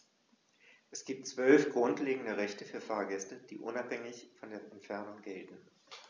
Es gibt 12 grundlegende Rechte für Fahrgäste, die unabhängig von der Entfernung gelten.